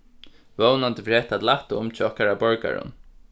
vónandi fer hetta at lætta um hjá okkara borgarum